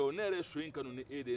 ne yɛrɛ ye so in kanu n'e de ye